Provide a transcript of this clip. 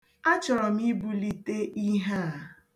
Achọrọ m ibulite ihe a.